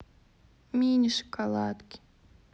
мини шоколадки